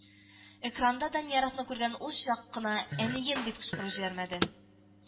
Экранда Данияровны күргәндә ул чак кына Әнием! дип кычкырып җибәрмәде